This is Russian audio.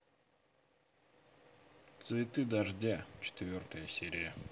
цветы дождя четвертая серия